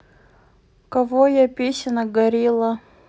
кого я песенок горилла